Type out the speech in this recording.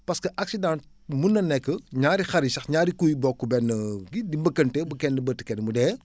parce que accident mun na nekk ñaari xar yi sax ñaari kuy bokk benn kii di mbëkkante ba kenn bëtt kenn mu dee